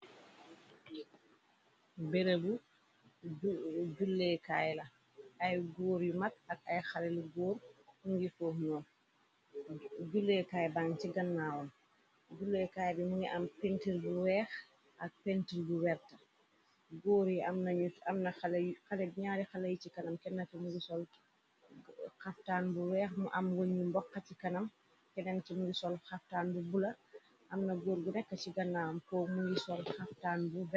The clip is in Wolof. Berëbu juleh kay góor yu mag ak ay xaleli góor mu ngi foox ñoon juleekaay ban ci gannaawam juleekaay yi mungi am pintir bu weex ak pentr bu werta góor yi xale ñaari xale yi ci kanam kenna ti mungio xaftaan bu weex mu am gëñ yu mbokxa ci kanam kenneen ci mungi sol xaftaan bu bula amna góor gu nekk ci gannaawan kok mungi sol xaftaan bu.